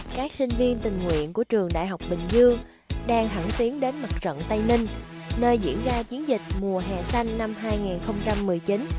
các sinh viên tình nguyện của trường đại học bình dương đang thẳng tiến đến mặt trận tây ninh nơi diễn ra chiến dịch mùa hè xanh